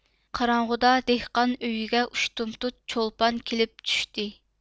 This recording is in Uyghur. قاراڭغۇدا دېھقان ئۆيىگە ئۇشتۇمتۇت چولپان كېلىپ چۈشتى